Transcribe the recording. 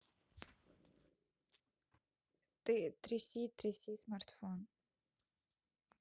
ты тряси тряси смартфон